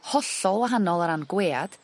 Hollol wahanol o ran gwead